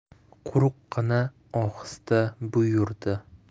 quruqqina ohista buyurdi